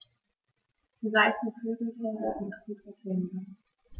Die weißen Flügelfelder sind gut erkennbar.